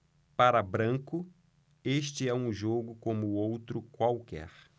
para branco este é um jogo como outro qualquer